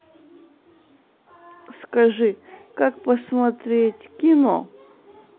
скажи как посмотреть кино